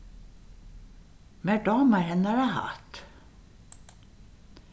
mær dámar hennara hatt